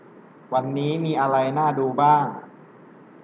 วันนี้มีอะไรน่าดูบ้าง